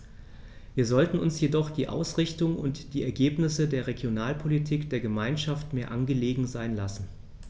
Wir sollten uns jedoch die Ausrichtung und die Ergebnisse der Regionalpolitik der Gemeinschaft mehr angelegen sein lassen.